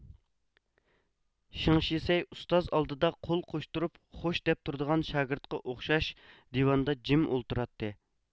شېڭشىسەي ئۇستاز ئالدىدا قول قوشتۇرۇپ خوش دەپ تۇرىدىغان شاگىرتقا ئوخشاش دىۋاندا جىم ئولتۇراتتى